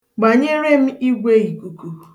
Gbanyere m igweikuku.